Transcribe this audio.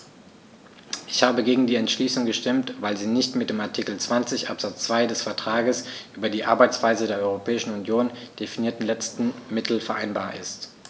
Ich habe gegen die Entschließung gestimmt, weil sie nicht mit dem in Artikel 20 Absatz 2 des Vertrags über die Arbeitsweise der Europäischen Union definierten letzten Mittel vereinbar ist.